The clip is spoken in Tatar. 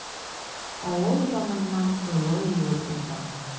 Авыл яныннан олы юл уза.